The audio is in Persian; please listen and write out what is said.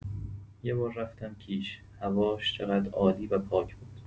یه بار رفتم کیش، هواش چقد عالی و پاک بود!